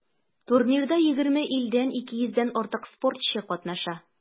Турнирда 20 илдән 200 дән артык спортчы катнаша.